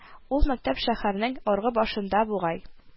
Ул мәктәп шәһәрнең аргы башында бугай